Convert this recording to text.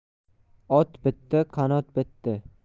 ot bitdi qanot bitdi